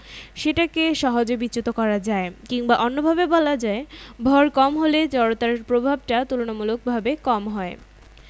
সেটাকে সহজে বিচ্যুত করা যায় কিংবা অন্যভাবে বলা যায় ভর কম হলে জড়তার প্রভাবটা তুলনামূলকভাবে কম হয়